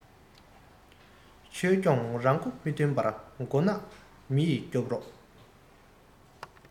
ཆོས སྐྱོང རང མགོ མི ཐོན པར མགོ ནག མི ཡི སྐྱོབ རོག